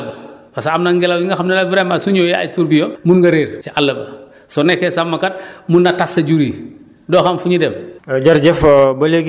mun na dem mu réeral la ci àll ba parce que am na ngelaw yi nga xam ne vraiment suñu ñëwee ay tourbillons mun nga réer si àll ba soo nekkee sàmmkat mun na tas sa jur yi doo xam fu ñu dem